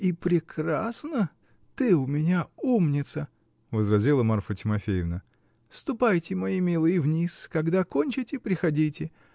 -- И прекрасно; ты у меня умница, -- возразила Марфа Тимофеевна. -- Ступайте, мои милые, вниз когда кончите, приходите